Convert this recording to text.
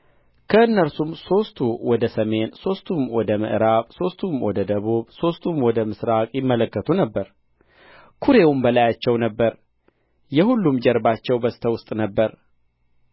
ከእነርሱም ሦስቱ ወደ ሰሜን ሦስቱም ወደ ምዕራብ ሦስቱም ወደ ደቡብ ሦስቱም ወደ ምሥራቅ ይመለከቱ ነበር ኵሬውም በላያቸው ነበር የሁሉም ጀርባቸው በስተ ውስጥ ነበረ